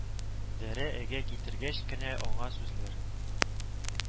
Дәрә әгә китергәч кенә аңа сүзләр